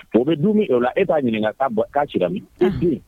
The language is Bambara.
O bɛ dumuni min o la e t'a ɲininkaka taa bɔ k'a jirami bi